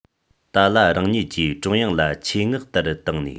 ཏཱ ལ རང ཉིད ཀྱིས ཀྲུང དབྱང ལ ཆེད མངགས ཏར བཏང ནས